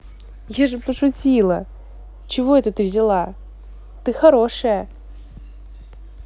я же пошутил чего это взяла ты хорошая